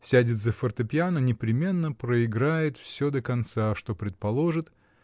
сядет за фортепиано, непременно проиграет всё до конца, что предположит